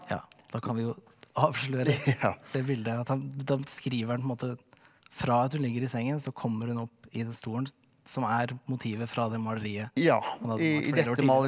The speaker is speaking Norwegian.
ja da kan vi jo avsløre det bildet at han da skriver han på en måte fra at hun ligger i sengen så kommer hun opp i den stolen som er motivet fra det maleriet han hadde malt flere år tidligere.